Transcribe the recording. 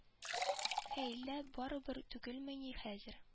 Һәй лә барыбер түгелмени хәзер